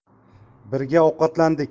birga ovqatlandik